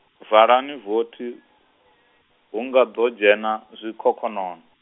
valani vothi , hu ngado dzhena, zwikhokhonono.